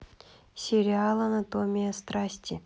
сериал анатомия страсти